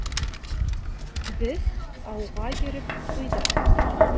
Без ауга йөреп туйдык.